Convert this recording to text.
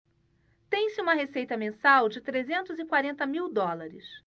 tem-se uma receita mensal de trezentos e quarenta mil dólares